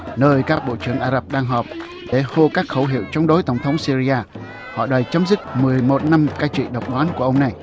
nơi các bộ trưởng ả rập đang họp để hô các khẩu hiệu chống đối tổng thống sy ri a họ đòi chấm dứt mười một năm cai trị độc đoán của ông này